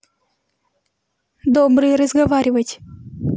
добрый разговаривать